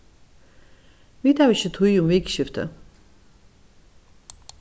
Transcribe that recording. vit hava ikki tíð um vikuskiftið